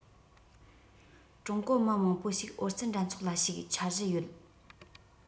ཀྲུང གོ མི མང པོ ཞིག ཨོ རྩལ འགྲན ཚོགས ལ ཞུགས འཆར གཞི ཡོད